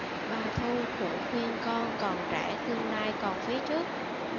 bà thu cũng khuyên con còn trẻ tương lai còn phía trước